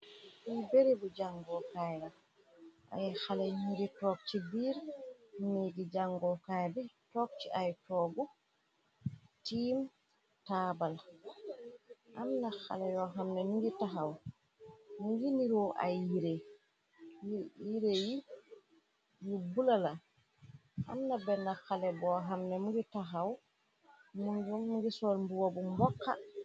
Kuy beri bu jàngookaay ra ay xale nungi toog ci biir miigi jàngookaay bi toog ci ay toogu tiim taabal amna xale yoo xamna mi ngi taxaw ningi niroo ay yiré yi yu bulala amna benn xale boo xamna mingi taxaw munju mngisoor mbu wobu mbokxa.